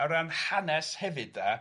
O ran hanes hefyd, 'de... Ia...